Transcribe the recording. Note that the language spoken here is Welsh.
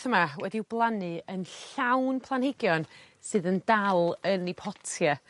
yma wedi i'w blannu yn llawn planhigion sydd yn dal yn 'u potie.